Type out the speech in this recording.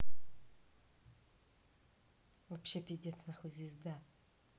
вообще пиздец нахуй звезда